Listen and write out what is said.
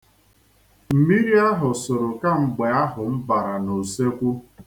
Mmiri ahụ sụrụ kamgbe ahụ m bara n'usekwu.